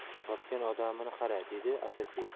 topgan odamini qara dedi asadbek